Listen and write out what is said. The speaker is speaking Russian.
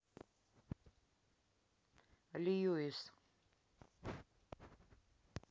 льюис